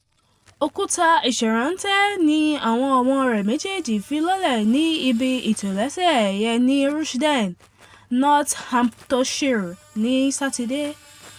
Òkúta ìṣèrántí ní àwọn ọmọ rẹ̀ méjèèjì fi lọ́lẹ̀ ní ibi ìtólẹ́ṣẹ́ ẹ̀yẹ ní Rushden, Northamptonshire, ní Sátidé.